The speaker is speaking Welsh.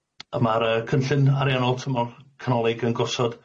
y- ma'r y- cynllun ariannol tymor canolig yn gosod